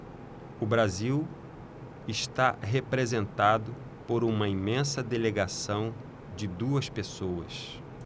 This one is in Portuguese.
o brasil está representado por uma imensa delegação de duas pessoas